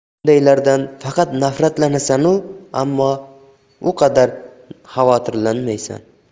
bundaylardan faqat nafratlanasan u ammo u qadar xavotirlanmaysan